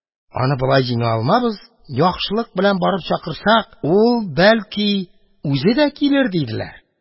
Аны болай җиңә алмабыз, яхшылык белән барып чакырсак, ул, бәлки, үзе дә килер, – диделәр.